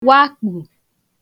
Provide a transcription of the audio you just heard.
wakpù